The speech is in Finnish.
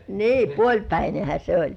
niin puolipäinenhän se oli